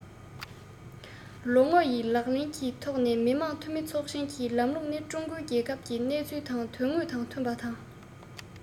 ལོ ངོ ཡི ལག ལེན གྱི ཐོག ནས མི དམངས འཐུས མི ཚོགས ཆེན གྱི ལམ ལུགས ནི ཀྲུང གོའི རྒྱལ ཁབ ཀྱི གནས ཚུལ དང དོན དངོས དང མཐུན པ དང